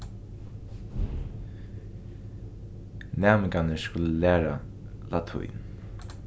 næmingarnir skulu læra latín